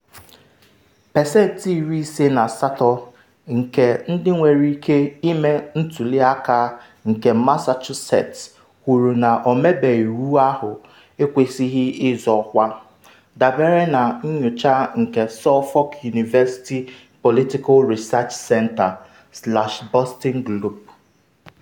Pesentị Iri ise na asatọ nke “ndị nwere ike” ime ntuli aka nke Massachusetts kwuru na ọmebe iwu ahụ ekwesịghị ịzọ ọkwa, dabere na nyocha nke Suffolk University Poilitical Research Center/Boston Globe.